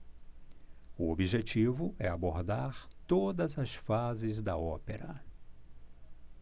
o objetivo é abordar todas as fases da ópera